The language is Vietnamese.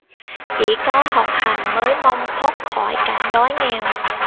chỉ có học hành mới mong thoát khỏi cảnh đói nghèo